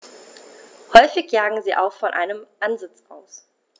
Häufig jagen sie auch von einem Ansitz aus.